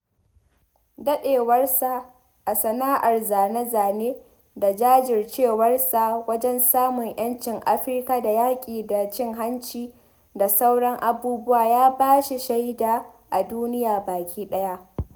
Daɗewarsa a sana'ar zane-zane da jajircewarsa wajen samun 'yancin Afirka da yaƙi da cin-hanci da sauran abubuwa ya ba shi shaida a duniya baki ɗaya.